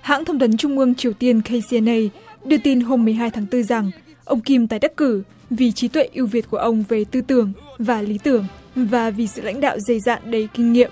hãng thông tấn trung ương triều tiên cây si en ây đưa tin hôm mười hai tháng tư rằng ông kim tái đắc cử vì trí tuệ ưu việt của ông về tư tưởng và lý tưởng và vì sự lãnh đạo dày dạn đầy kinh nghiệm